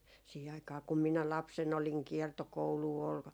siihen aikaan kun minä lapsena olin kiertokoulua oli